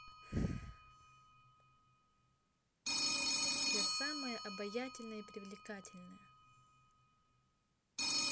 я самая обаятельная и привлекательная